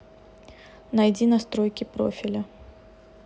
найди настройки профиля